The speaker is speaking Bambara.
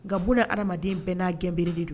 Nka bolo la adamadamaden bɛɛ' gɛnbele de don